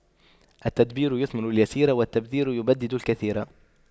التدبير يثمر اليسير والتبذير يبدد الكثير